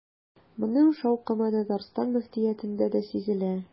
Моның шаукымы Татарстан мөфтиятендә дә сизелә.